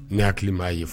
N hakili m'a ye fɔ